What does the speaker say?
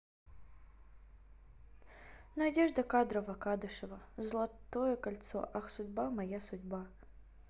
надежда кадрова кадышева золотое кольцо ах судьба моя судьба